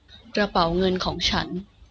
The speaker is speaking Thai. กระเป๋าเงินของฉัน